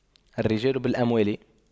الرجال بالأموال